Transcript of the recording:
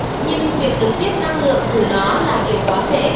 nhưng việc được tiếp năng lượng từ nó là điều có thể